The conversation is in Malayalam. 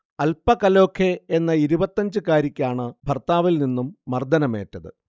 അൽപ കലോഖെ എന്ന ഇരുപത്തഞ്ചുകാരിക്കാണ് ഭർത്താവിൽ നിന്നും മർദ്ദനമേറ്റത്